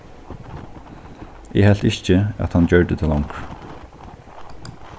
eg helt ikki at hann gjørdi tað longur